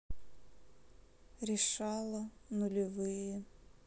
решала нулевые